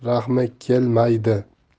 yerga rahmi kelmaydi